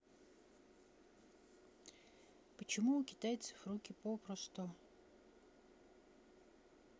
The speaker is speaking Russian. почему у китайцев руки попросту